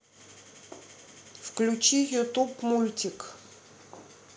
включи ютуб мультик